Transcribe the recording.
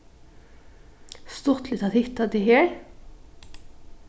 stuttligt at hitta teg her